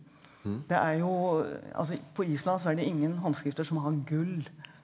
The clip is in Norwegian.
det er jo altså på Island så er det ingen håndskrifter som har gull.